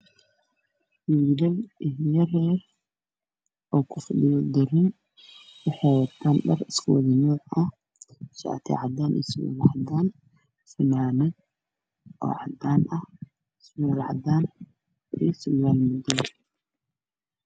Wiilal yar yar oo kufadhiyo darin